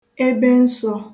ebensọ̄